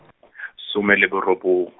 some le borobong .